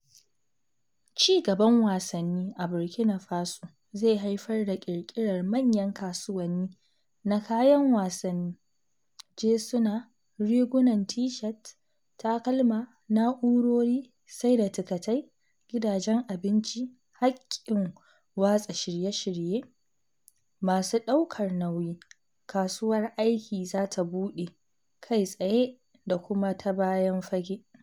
Ci gaban wasanni a Burkina Faso zai haifar da ƙirƙirar manyan kasuwanni na kayan wasanni (jesuna, rigunan T-shirt, takalma, na'urori), saida tikitai, gidajen abinci, haƙƙin watsa shirye-shirye, masu ɗaukar nauyi... Kasuwar aiki za ta buɗe kai tsaye da kuma ta bayan fage .